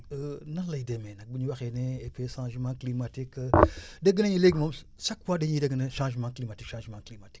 nan lay demee nag bu ñu waxee ne changement climatique dégg nañu léegi moom chaque fois dañuy dégg naan changement climatique changement climatique